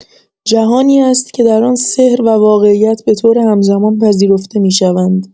جهانی است که در آن سحر و واقعیت به‌طور همزمان پذیرفته می‌شوند.